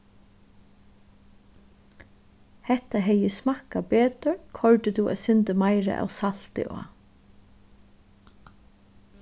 hetta hevði smakkað betur koyrdi tú eitt sindur meira av salti á